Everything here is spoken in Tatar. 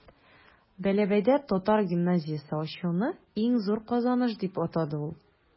Бәләбәйдә татар гимназиясе ачуны иң зур казаныш дип атады ул.